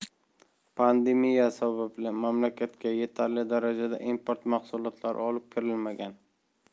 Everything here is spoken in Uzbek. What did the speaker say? pandemiya sababli mamlakatga yetarli darajada import mahsulotlari olib kirilmagan